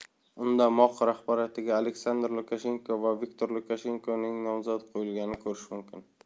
unda moq rahbarligiga aleksandr lukashenko va viktor lukashenkoning nomzodi qo'yilganini ko'rish mumkin